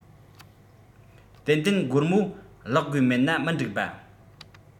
ཏན ཏན སྒོར མོ བརླག དགོས མེད ན མི འགྲིག པ